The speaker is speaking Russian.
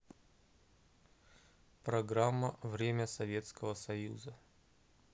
программа время советского союза